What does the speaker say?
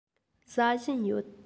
ཟ བཞིན ཡོད